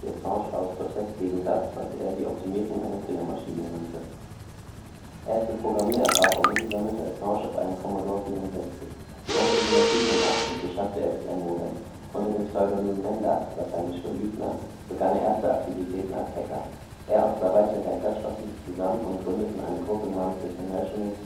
Assange aus Protest gegen das, was er „ die Optimierung einer Killer-Maschine “nannte. Erste Programmiererfahrungen sammelte Assange auf einem C64, 1987 beschaffte er sich ein Modem. Unter dem Pseudonym „ Mendax “(Lateinisch für " Lügner ") begann er erste Aktivitäten als Hacker. Er und zwei weitere Hacker schlossen sich zusammen und gründeten eine Gruppe namens „ International Subversives